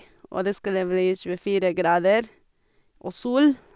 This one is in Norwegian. Og det skulle bli tjuefire grader og sol.